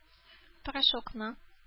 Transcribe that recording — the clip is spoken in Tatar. Порошокны